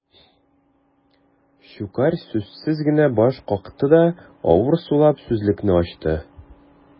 Щукарь сүзсез генә баш какты да, авыр сулап сүзлекне ачты.